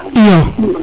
iyo